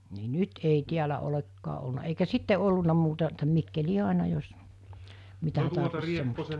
niin nyt ei täällä olekaan ollut eikä sitten ollut muuta että Mikkeliin aina jos mitä tarvitsi semmoista